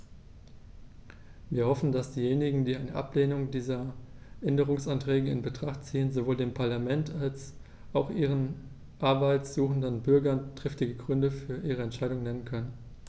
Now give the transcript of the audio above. Wir hoffen, dass diejenigen, die eine Ablehnung dieser Änderungsanträge in Betracht ziehen, sowohl dem Parlament als auch ihren Arbeit suchenden Bürgern triftige Gründe für ihre Entscheidung nennen können.